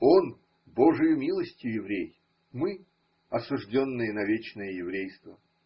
Он – Б-жию милостью еврей; мы – осужденные на вечное еврейство.